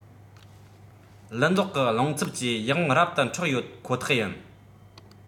ལི མདོག གི རླུང འཚུབ ཀྱིས ཡིད དབང རབ ཏུ འཕྲོག ཡོད ཁོ ཐག ཡིན